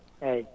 eeyi